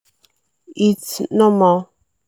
It's normal.